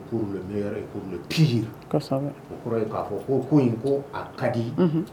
'' o kɔrɔ k'a fɔ ko ko ko a kadi